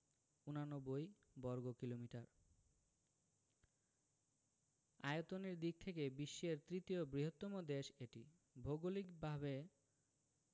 ৮৯ বর্গকিলোমিটার আয়তনের দিক থেকে বিশ্বের তৃতীয় বৃহত্তম দেশ এটি ভৌগলিকভাবে